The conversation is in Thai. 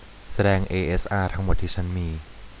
แสดงเอเอสอาทั้งหมดที่ฉันมี